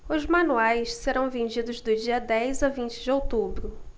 os manuais serão vendidos do dia dez a vinte de outubro